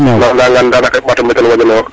i leya ngan dana ka i ɓato mbetan wa denoyo